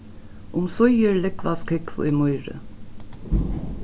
umsíðir lúgvast kúgv í mýri